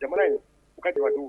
Jamana in u ka juwadugu